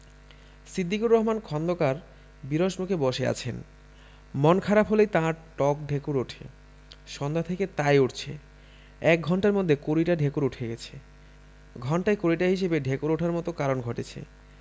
সিদ্দিকুর রহমান খন্দকার বিরস মুখে বসে আছেন মন খারাপ হলেই তাঁর টক ঢেকুর ওঠে সন্ধ্যা থেকে তাই উঠছে এক ঘণ্টার মধ্যে কুড়িটা ঢেকুর ওঠে গেছে ঘণ্টায় কুড়িটা হিসেবে ঢেকুর ওঠার মত কারণ ঘটেছে